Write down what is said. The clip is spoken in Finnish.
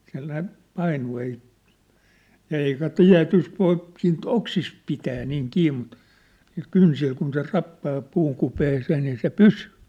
siellä ne painuu ei eikä tietysti voi siitä oksista pitää niin kiinni mutta niillä kynsillä kun se rappaa puun kupeeseen niin se pysyy